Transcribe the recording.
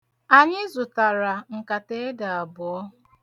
Anyị zụtara nkata ede abụọ.